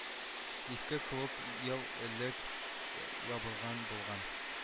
Иске клуб ел элек ябылган булган